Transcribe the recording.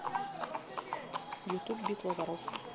ютуб битва воров